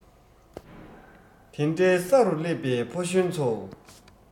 དེ འདྲའི ས རུ སླེབས པའི ཕོ གཞོན ཚོ